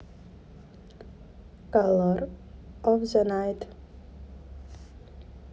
color of the night